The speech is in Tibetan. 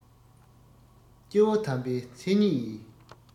སྐྱེ བོ དམ པའི མཚན ཉིད ཡིན